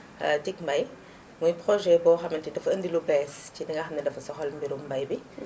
tic mbay mooy projet boo nga xamanta ni dafa andi lu bees ci li nga xam ni dafa soxal mbirum mbay mi